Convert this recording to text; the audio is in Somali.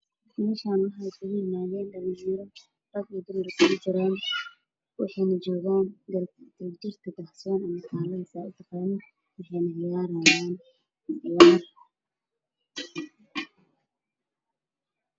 Meeshan waxaa jooga niman iyo naago way buraanburayaan waana laami waxa ka danbeeya geed cagaar ah